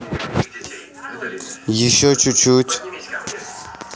еще чуть чуть